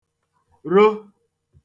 ro